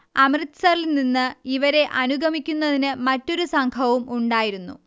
അമൃത്സറിൽനിന്ന് ഇവരെ അനുഗമിക്കുന്നതിന് മറ്റൊരു സംഘവും ഉണ്ടായിരുന്നു